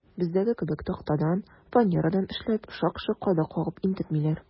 Бездәге кебек тактадан, фанерадан эшләп, шак-шок кадак кагып интекмиләр.